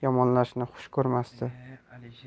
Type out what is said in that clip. yomonlashni xush ko'rmasdi